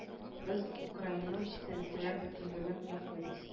Без украинаның территориаль бөтенлеген яклыйбыз